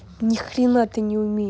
нихрена ты не умеешь